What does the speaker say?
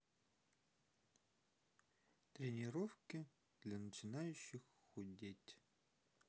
тренировки для начинающих худеть